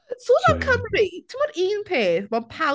Sôn am Cymru. Timod un peth mae pawb...